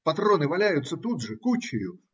Патроны валяются тут же, кучею.